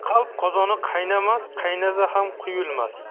qalb qozoni qaynamas qaynasa ham quyulmas